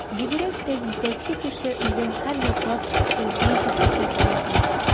Бигрәк тә җитәкче кеше үзен һәрьяклап өлге итеп күрсәтергә тиеш.